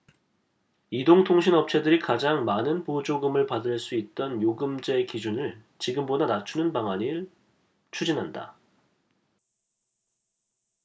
이동통신업체들이 가장 많은 보조금을 받을 수 있던 요금제 기준을 지금보다 낮추는 방안을 추진한다